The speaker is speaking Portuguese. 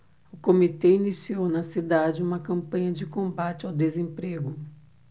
o comitê iniciou na cidade uma campanha de combate ao desemprego